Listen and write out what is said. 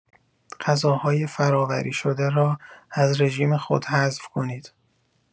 غذاهای فرآوری‌شده را از رژیم خود حذف کنید.